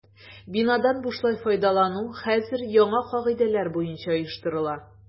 Бинадан бушлай файдалану хәзер яңа кагыйдәләр буенча оештырыла.